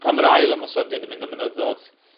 ...pan ma'r ail ymosodiad yn myn' am y mynyddodd...